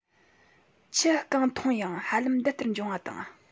ཁྱི རྐང ཐུང ཡང ཧ ལམ འདི ལྟར འབྱུང བ དང